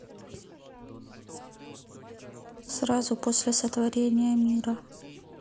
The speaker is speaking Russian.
сразу после сотворения мира